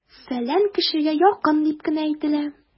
"фәлән кешегә якын" дип кенә әйтелә!